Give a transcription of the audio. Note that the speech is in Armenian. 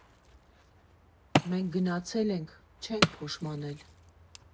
Մենք գնացել ենք՝ չենք փոշմանել։